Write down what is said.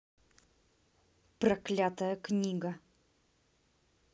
проклятая книга